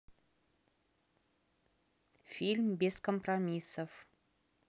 фильм без компромиссов